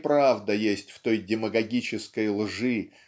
неправда есть в той демагогической лжи